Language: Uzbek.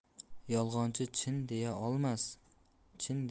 yolg'onchi chin deyaolmas chin